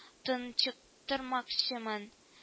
Тончыктырмакчымын